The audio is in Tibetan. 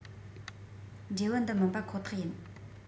འབྲས བུ འདི མིན པ ཁོ ཐག ཡིན